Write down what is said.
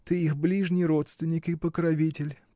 Ты их ближний родственник и покровитель.